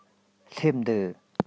སླེབས འདུག